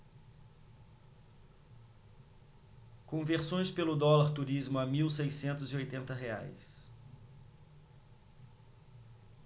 conversões pelo dólar turismo a mil seiscentos e oitenta reais